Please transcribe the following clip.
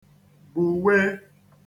gbùwe